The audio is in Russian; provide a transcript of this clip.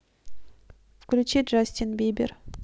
включи джастин бибер